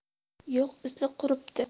yo'q izi quribdi